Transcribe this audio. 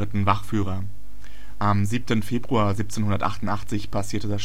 Wachführer. Am 7. Februar 1788 passierte